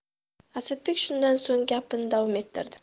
asadbek shundan so'ng gapini davom ettirdi